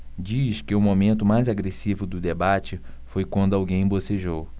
diz que o momento mais agressivo do debate foi quando alguém bocejou